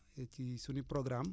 ci suñu programme